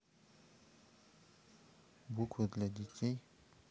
буквы для детей